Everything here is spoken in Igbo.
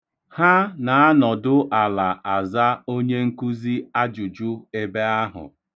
Ha na-anọdụ ala aza onyenkuzi ajụjụ ebe ahụ.